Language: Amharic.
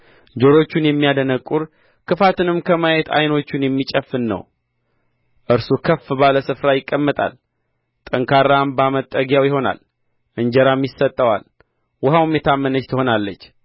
ጆሮቹን የሚያደነቍር ክፋትንም ከማየት ዓይኖቹን የሚጨፍን ነው እርሱ ከፍ ባለ ስፍራ ይቀመጣል ጠንካራ አምባ መጠጊያው ይሆናል እንጀራም ይሰጠዋል ውኃውም የታመነች ትሆናለች